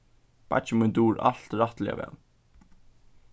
beiggi mín dugir alt rættiliga væl